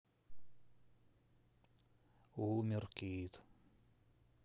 умер кит